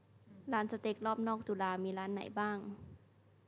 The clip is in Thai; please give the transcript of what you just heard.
ร้านสเต็กรอบนอกจุฬามีร้านไหนบ้าง